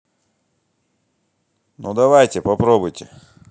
ну давайте попробуйте